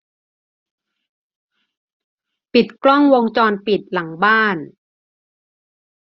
ปิดกล้องวงจรปิดหลังบ้าน